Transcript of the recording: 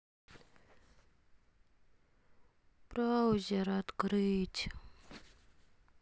браузер открыть